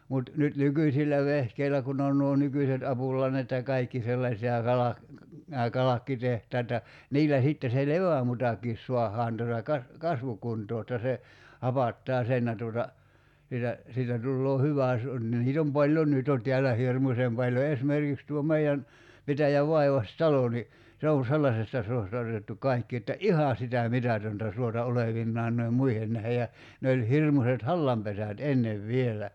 mutta nyt nykyisillä vehkeillä kun on nuo nykyiset apulannat ja kaikki sellaiset ja - nämä kalkkitehtaat ja niillä sitten se levämutakin saadaan tuota - kasvukuntoon jotta se hapattaa sen ja tuota siitä siitä tulee hyvä jos on ja niitä on paljon nyt jo täällä hirmuisen paljon esimerkiksi tuo meidän pitäjän vaivaistalo niin se on sellaisesta suosta otettu kaikki että ihan sitä mitätöntä suota olevinaan noiden muiden nähden ja ne oli hirmuiset hallanpesät ennen vielä